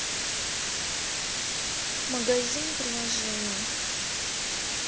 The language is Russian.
магазин приложений